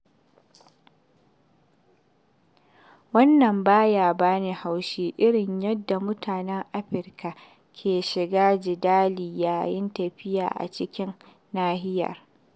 Wannan ba ya ba ni haushi irin yadda mutanen Afirka ke shiga jidali yayin tafiya a cikin nahiyar.